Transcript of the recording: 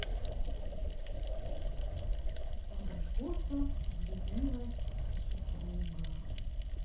абрикоса влюбилась супруга